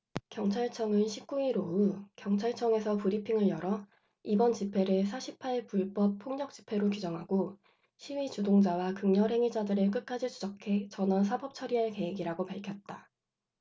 경찰청은 십 구 일 오후 경찰청에서 브리핑을 열어 이번 집회를 사 십 팔 불법 폭력 집회로 규정하고 시위 주동자와 극렬 행위자들을 끝까지 추적해 전원 사법처리할 계획이라고 밝혔다